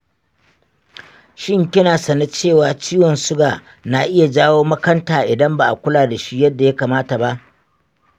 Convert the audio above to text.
shin kina sane cewa ciwon suga na iya jawo makanta idan ba a kula da shi yadda ya kamata ba?